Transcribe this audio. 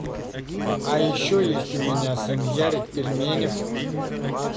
а еще у меня есть сын ярик пельменев